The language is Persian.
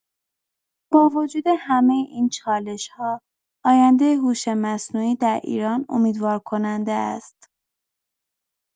با وجود همه این چالش‌ها، آینده هوش مصنوعی در ایران امیدوارکننده است.